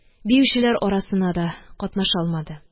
Биючеләр арасына да катнаша алмады